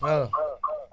waaw